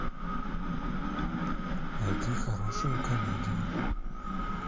найди хорошую комедию